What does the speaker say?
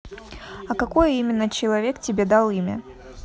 а какой именно человек тебе дал имя